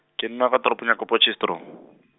ke nna fa toropong ya ko Potchefstroom .